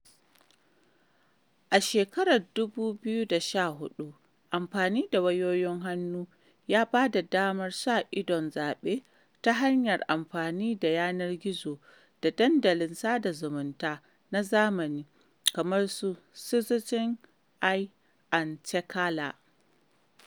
A 2014, amfani da wayoyin hannu ya ba da damar sa-idon zaɓe ta hanyar amfani da yanar gizo da dandalin sada zamunta na zamani kamar su 'Citizen's Eye and Txeka-lá'.